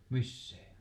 missä